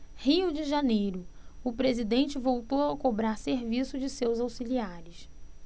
rio de janeiro o presidente voltou a cobrar serviço de seus auxiliares